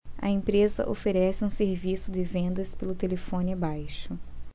a empresa oferece um serviço de vendas pelo telefone abaixo